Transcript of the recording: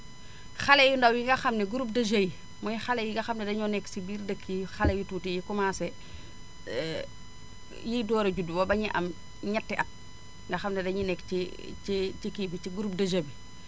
xale yu ndaw yi nga xam ne groupe de jeux yi mooy xale yi nga xam ne dañoo nekk ci biir dëkk yi muy xale yu tuuti yi commencé liy door a juddu ba ba ñuy am ñetti at nga xam ne dañuy nekk ci ci kii bi ci groupe de jeu bi